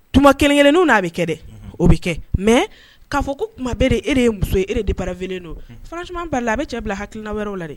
Tu kelen- kelen u na'a bɛ kɛ dɛ o bɛ kɛ mɛ'a fɔ ko kuma bɛ de e de ye muso ye e de bara don caman la a bɛ cɛ bila hakilina wɛrɛw la dɛ